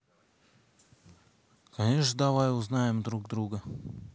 конечно давай узнаем друг друга